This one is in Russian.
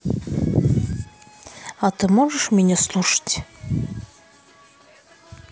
а ты можешь меня слушать